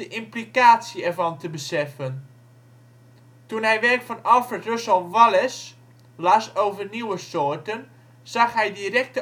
implicatie ervan te beseffen. Toen hij werk van Alfred Russel Wallace las over nieuwe soorten zag hij direct